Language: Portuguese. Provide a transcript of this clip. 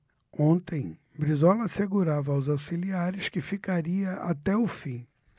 ontem brizola assegurava aos auxiliares que ficaria até o fim